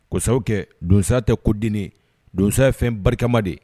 Kɔsa kɛ donso tɛ kodnen donso ye fɛn barikama de ye